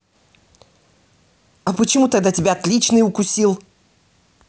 а почему тогда тебя отличный укусил